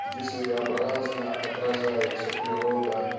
где своеобразно отражается природа